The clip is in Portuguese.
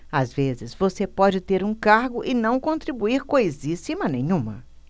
às vezes você pode ter um cargo e não contribuir coisíssima nenhuma